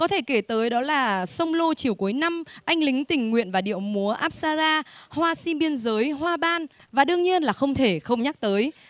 có thể kể tới đó là sông lô chiều cuối năm anh lính tình nguyện và điệu múa áp sa ra hoa sim biên giới hoa ban và đương nhiên là không thể không nhắc tới